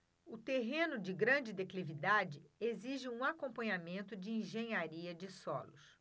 o terreno de grande declividade exige um acompanhamento de engenharia de solos